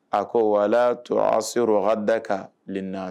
A ko wala tora sera ha da kan lena